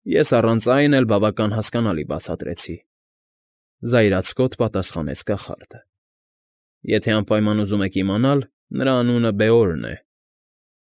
Ես առանց այն էլ բավական հասկանալի բացատրեցի,֊ զայրացկոտ պատասխանեց կախարդը։֊ Եթե անպայման ուզում եք իմանալ, նրա անունը Բեորն է։